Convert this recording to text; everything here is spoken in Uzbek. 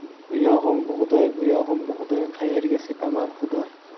u yog'im bug'doy bu yog'im bug'doy qayerga sepaman xudoy